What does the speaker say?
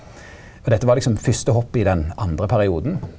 og dette var liksom fyrste hoppet i den andre perioden.